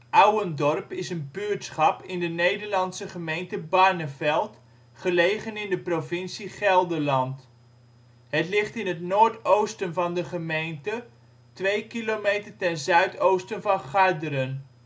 Ouwendorp is een buurtschap in de Nederlandse gemeente Barneveld, gelegen in de provincie Gelderland. Het ligt in het noordoosten van de gemeente 2 kilometer ten zuidoosten van Garderen